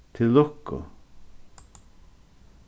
til lukku